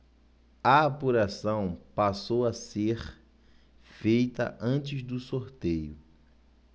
a apuração passou a ser feita antes do sorteio